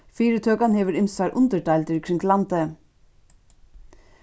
fyritøkan hevur ymsar undirdeildir kring landið